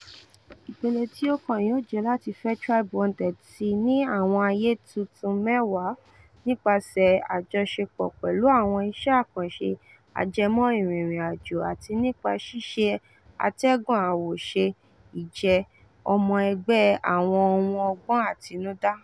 Ìpele tí ó kàn yóò jẹ́ láti fẹ TribeWanted si ní àwọn àyè tuntun mẹ́wàá, nípasẹ̀ àjọṣepọ̀ pẹ̀lú àwọn iṣẹ́ àkànṣe ajẹmọ́ ìrìnrìn-àjò àti nípa ṣíṣe àtẹ̀gùn àwòṣe ìjẹ́ ọmọ ẹgbẹ́ àwọn ohun ọgbọ́n àtinudá.